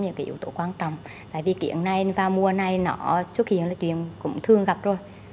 những yếu tố quan trọng tại vì kiến này vào mùa này nó xuất hiện là chuyện cũng thường gặp rồi